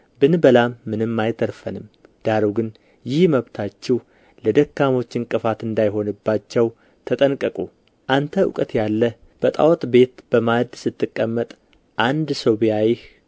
ብንበላም ምንም አይተርፈንም ዳሩ ግን ይህ መብታችሁ ለደካሞች ዕንቅፋት እንዳይሆንባቸው ተጠንቀቁ አንተ እውቀት ያለህ በጣዖት ቤት በማዕድ ስትቀመጥ አንድ ሰው ቢያይህ